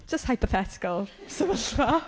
Jyst hypothetical sefyllfa.